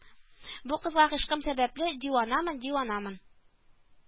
Бу кызга гыйшкым сәбәпле диванамын, диванамын